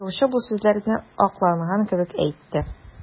Юлчы бу сүзләрне акланган кебек әйтте.